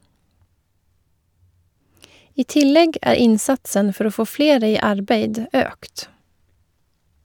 I tillegg er innsatsen for å få flere i arbeid økt.